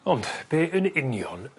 Ond be' yn union